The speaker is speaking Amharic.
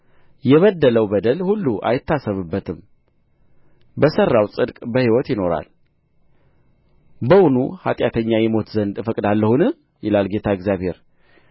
የበደለው በደል ሁሉ አይታሰብበትም በሠራው ጽድቅ በሕይወት ይኖራል በውኑ ኃጢአተኛ ይሞት ዘንድ እፈቅዳለሁን ይላል ጌታ እግዚአብሔር